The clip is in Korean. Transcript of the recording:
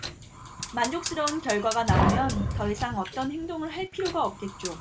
만족스러운 결과가 나오면 더 이상 어떤 행동을 할 필요가 없겠죠